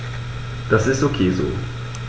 Das ist ok so.